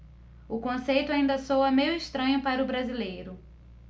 o conceito ainda soa meio estranho para o brasileiro